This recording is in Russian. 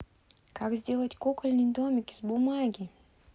как сделать кукольный домик из бумаги